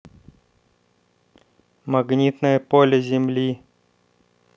магнитное поле земли